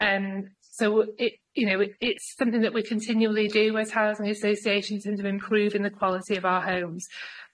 Yym so it you know it it's something that we continually do as housing associations in terms of improving the quality of our homes,